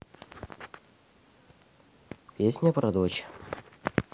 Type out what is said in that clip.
песня про дочь